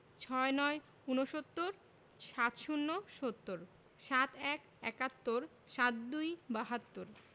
৬৯ – ঊনসত্তর ৭০ - সত্তর ৭১ – একাত্তর ৭২ – বাহাত্তর